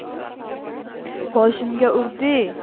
boshimga urde